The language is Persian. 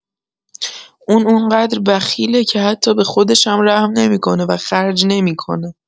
اون انقدر بخیله که حتی به خودش هم رحم نمی‌کنه و خرج نمی‌کنه.